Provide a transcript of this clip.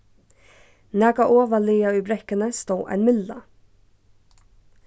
nakað ovarlaga í brekkuni stóð ein mylla